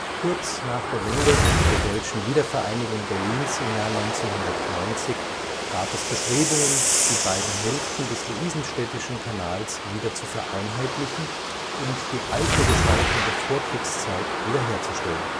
Kurz nach der Wende und der deutschen Wiedervereinigung Berlins im Jahr 1990 gab es Bestrebungen, die beiden Hälften des Luisenstädtischen Kanals wieder zu vereinheitlichen und die alte Gestaltung der Vorkriegszeit wiederherzustellen